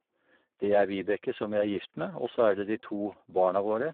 Det er Vibeke, som jeg er gift med, og så er det de to barna våre.